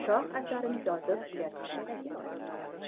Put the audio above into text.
shoh asarini yozib tugatishi kerak edi